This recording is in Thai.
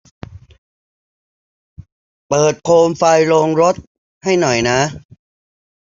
เปิดโคมไฟโรงรถให้หน่อยนะ